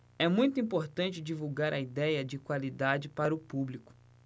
é muito importante divulgar a idéia da qualidade para o público